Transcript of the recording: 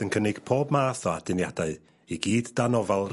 ...yn cynnig pob math o aduniadau i gyd dan ofal...